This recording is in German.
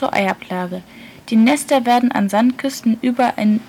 Eiablage. Die Nester werden an Sandküsten überall in